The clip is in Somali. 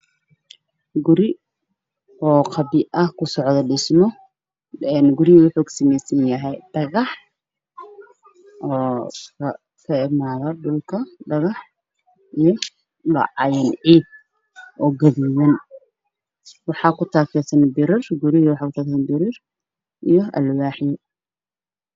Guri qabyo ah oo dhime kasocdo gurigu waxa uu kasamaysanyahay dhagax iyo ciid oo guduudan waxakutaasan biro iyo alwaaxyo